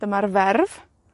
dyma'r ferf.